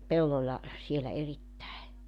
pellolla siellä erittäin